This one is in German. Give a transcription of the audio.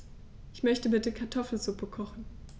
Ich möchte bitte Kartoffelsuppe kochen.